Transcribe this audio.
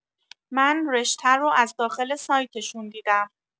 من رشته رو از داخل سایتشون دیدم